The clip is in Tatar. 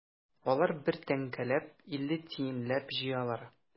Алар бер тәңкәләп, илле тиенләп җыялар.